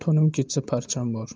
to'nim ketsa parcham bor